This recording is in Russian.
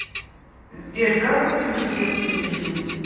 сбер как выключить детский режим